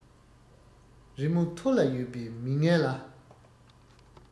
རི མོ ཐུར ལ ཡོད པའི མི ངན ལ